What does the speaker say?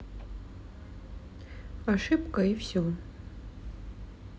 ошибка и все